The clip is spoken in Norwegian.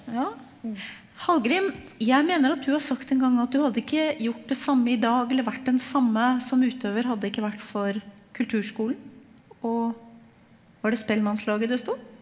ja Halgrim, jeg mener at du har sagt en gang at du hadde ikke gjort det samme i dag eller vært den samme som utøver hadde det ikke vært for Kulturskolen, og var det Spellmannslaget det sto?